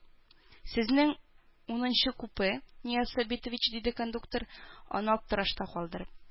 Сезнең унынчы купе, Нияз Сабитович, диде кондуктор, аны аптырашта калдырып.